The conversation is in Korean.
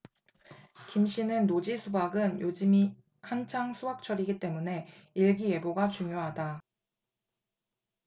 김씨는 노지 수박은 요즘이 한창 수확철이기 때문에 일기예보가 중요하다